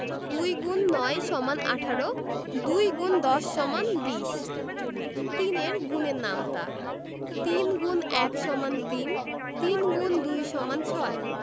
২ X ৯ = ১৮ ২ ×১০ = ২০ ৩ এর গুণের নামতা ৩ X ১ = ৩ ৩ X ২ = ৬